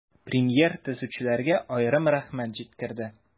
Премьер төзүчеләргә аерым рәхмәт җиткерде.